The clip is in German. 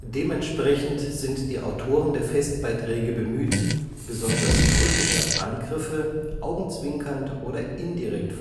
Dementsprechend sind die Autoren der Festbeiträge bemüht, besonders kritische „ Angriffe “augenzwinkernd oder indirekt